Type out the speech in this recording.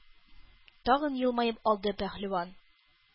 Тагын елмаеп алды пәһлеван.